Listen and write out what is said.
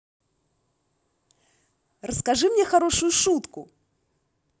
расскажи мне хорошую шутку